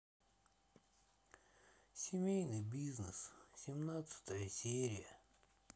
семейный бизнес семнадцатая серия